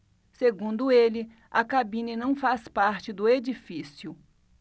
segundo ele a cabine não faz parte do edifício